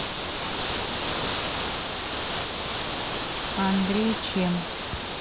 андрей чем